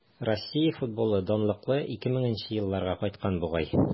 Россия футболы данлыклы 2000 нче елларга кайткан бугай.